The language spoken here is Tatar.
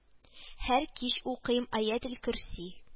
Һәр кич укыйм Аятел Көрси